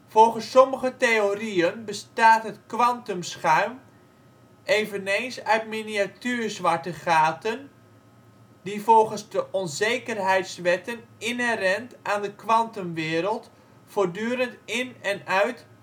Volgens sommige theorieën bestaat het kwantumschuim eveneens uit miniatuur zwarte gaten die volgens de onzekerheidswetten inherent aan de kwantumwereld voortdurend in en uit